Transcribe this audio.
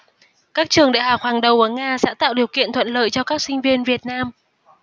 các trường đại học hàng đầu ở nga sẽ tạo điều kiện thuận lợi cho các sinh viên việt nam